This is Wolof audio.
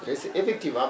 oui c' effectivement